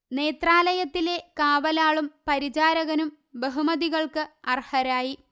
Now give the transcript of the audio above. നേത്രാലയത്തിലെ കാവലാളും പരിചാരകനും ബഹുമതികള്ക്ക് അര്ഹരായി